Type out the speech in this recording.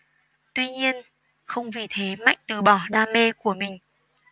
tuy nhiên không vì thế mạnh từ bỏ đam mê của mình